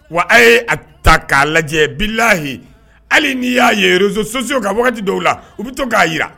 Wa a' ye a ta k'a lajɛ bilahi hali n'i y'a réseaux sociaux kan wagati dɔw la, u bɛ to k'a jira